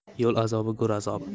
yo'l azobi go'r azobi